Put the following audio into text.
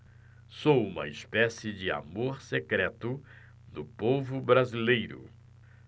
sou uma espécie de amor secreto do povo brasileiro